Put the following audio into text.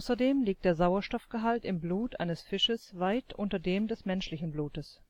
Außerdem liegt der Sauerstoffgehalt im Blut eines Fisches weit unter dem des menschlichen Blutes